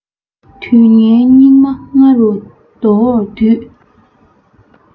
དུས ངན སྙིགས མ ལྔ རུ བདོ བའི དུས